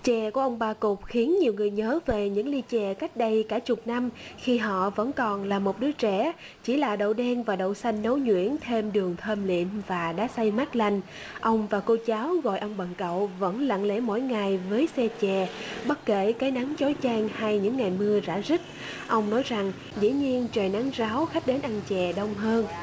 chè của ông bà cụt khiến nhiều người nhớ về những ly chè cách đây cả chục năm khi họ vẫn còn là một đứa trẻ chỉ là đậu đen và đậu xanh nấu nhuyễn thêm đường thơm lịm và đá xay mát lạnh ông và cô cháu gọi ông bằng cậu vẫn lặng lẽ mỗi ngày với xe chè bất kể cái nắng chói chang hay những ngày mưa rả rích ông nói rằng dĩ nhiên trời nắng ráo khách đến ăn chè đông hơn